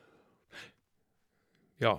Ja.